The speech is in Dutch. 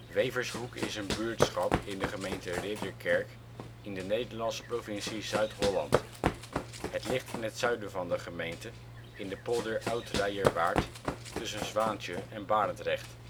Wevershoek is een buurtschap in de gemeente Ridderkerk in de Nederlandse provincie Zuid-Holland. Het ligt in het zuiden van de gemeente in de polder Oud-Reierwaard tussen Zwaantje en Barendrecht